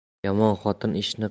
yomon xotin ishin